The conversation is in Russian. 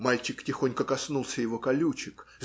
Мальчик тихонько коснулся его колючек